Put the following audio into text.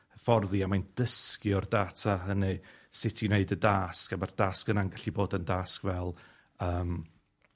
hyfforddi, a mae'n dysgu o'r data hynny sut i wneud y dasg, a ma'r dasg yna'n gallu bod yn dasg fel yym